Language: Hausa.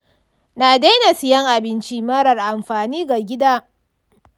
na daina sayen abinci marar amfani ga gida.